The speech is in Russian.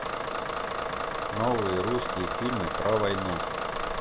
новые русские фильмы про войну